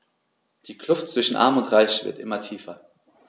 Die Kluft zwischen Arm und Reich wird immer tiefer.